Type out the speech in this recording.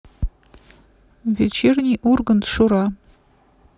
вечерний ургант шура